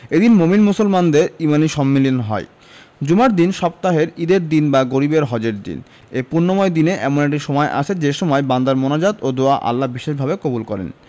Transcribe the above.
এদিন মোমিন মুসলমানদের ইমানি সম্মিলন হয় জুমার দিন সপ্তাহের ঈদের দিন বা গরিবের হজের দিন এ পুণ্যময় দিনে এমন একটি সময় আছে যে সময় বান্দার মোনাজাত ও দোয়া আল্লাহ বিশেষভাবে কবুল করেন